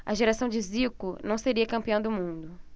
a geração de zico não seria campeã do mundo